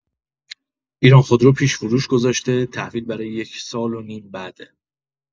ایران‌خودرو پیش‌فروش گذاشته تحویل برای یک سال و نیم بعده.